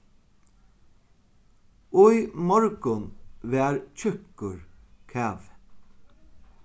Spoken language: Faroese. í morgun var tjúkkur kavi